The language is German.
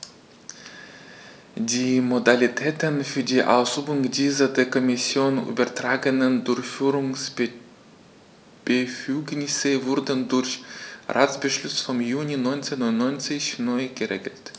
Die Modalitäten für die Ausübung dieser der Kommission übertragenen Durchführungsbefugnisse wurden durch Ratsbeschluss vom Juni 1999 neu geregelt.